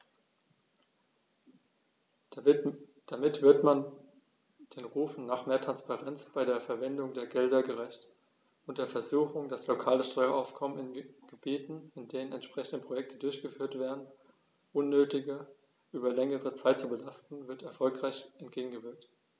Damit wird man den Rufen nach mehr Transparenz bei der Verwendung der Gelder gerecht, und der Versuchung, das lokale Steueraufkommen in Gebieten, in denen entsprechende Projekte durchgeführt werden, unnötig über längere Zeit zu belasten, wird erfolgreich entgegengewirkt.